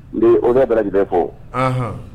N o ka garigɛ kɔ